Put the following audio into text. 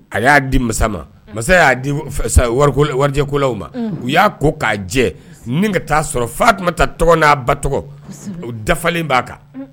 A y'a di masa ma, masa y'a di warijɛ kolaw ma. U y'a ko k'a jɛ ni ka taa sɔrɔ fatumata tɔgɔ n'a ba tɔgɔ, o dafalen b'a kan